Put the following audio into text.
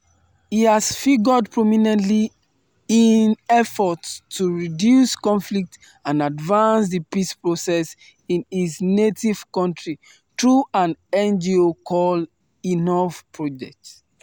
He has figured prominently in efforts to reduce conflict and advance the peace process in his native country through an NGO called Enough Project.